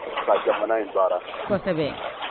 Ka jamana in baara